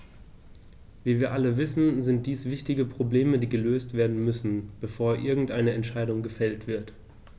Wie wir alle wissen, sind dies wichtige Probleme, die gelöst werden müssen, bevor irgendeine Entscheidung gefällt wird.